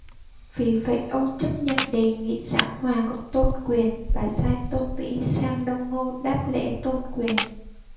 vì vậy ông chấp nhận đề nghị giảng hòa của tôn quyền và sai tôn vĩ sang đông ngô đáp lễ tôn quyền